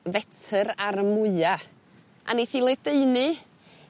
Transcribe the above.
fetyr ar y mwya a neith 'i ledaenu